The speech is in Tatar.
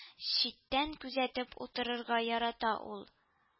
Читтән күзәтеп утырырга ярата ул